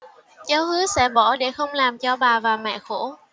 cháu hứa sẽ bỏ để không làm cho bà và mẹ khổ